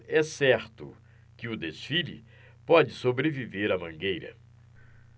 é certo que o desfile pode sobreviver à mangueira